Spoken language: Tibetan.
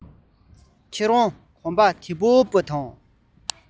ཁྱོད རང གོམ པ དལ གྱིས སྤོས ན